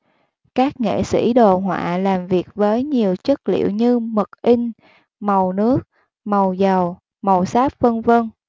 các nghệ sỹ đồ họa làm việc với nhiều chất liệu như mực in màu nước màu dầu màu sáp vân vân